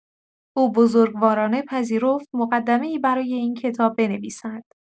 او بزرگوارانه پذیرفت مقدمه‌ای برای این کتاب بنویسد.